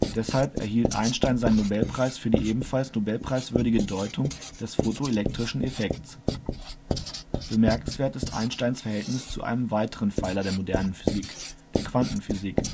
Deshalb erhielt Einstein seinen Nobelpreis für die ebenfalls nobelpreiswürdige Deutung des fotoelektrischen Effekts. Max Born Bemerkenswert ist Einsteins Verhältnis zu einem weiteren Pfeiler der modernen Physik, der Quantenphysik